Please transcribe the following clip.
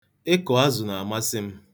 Ịkụ azụ na-amasị m.